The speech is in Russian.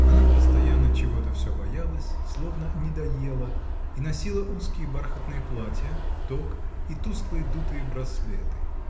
она постоянно чего-то все боялась, словно не доела, и носила узкие бархатные платья, ток и тусклые дутые браслеты.